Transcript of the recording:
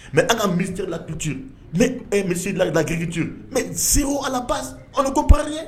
Mɛ an ka misi la tu ci ni e misi layidakeki ti mɛ se o ala a ko pajɛ